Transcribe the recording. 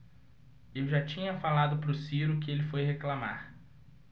eu já tinha falado pro ciro que ele foi reclamar